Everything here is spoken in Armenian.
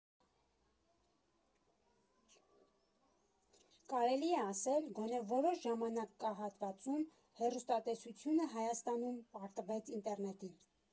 Կարելի է ասել՝ գոնե որոշ ժամանակահատվածում հեռուստատեսությունը Հայաստանում պարտվեց ինտերնետին։